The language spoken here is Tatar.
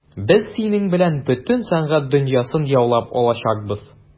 Без синең белән бөтен сәнгать дөньясын яулап алачакбыз.